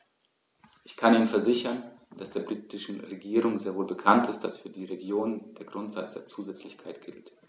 Ich kann Ihnen versichern, dass der britischen Regierung sehr wohl bekannt ist, dass für die Regionen der Grundsatz der Zusätzlichkeit gilt.